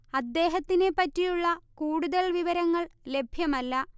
അദ്ദേഹത്തിനെ പറ്റിയുള്ള കൂടുതൽ വിവരങ്ങൾ ലഭ്യമല്ല